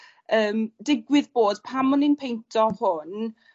yym digwydd bod pan o'n i'n peinto hwn